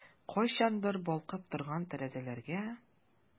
Кайчандыр балкып торган тәрәзәләргә...